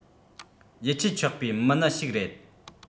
ཡིད ཆེས ཆོག པའི མི ནི ཞིག རེད